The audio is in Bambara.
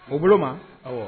O bolo ma